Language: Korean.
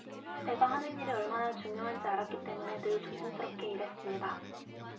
내가 하는 일이 얼마나 중요한지 알았기 때문에 늘 조심스럽게 일했습니다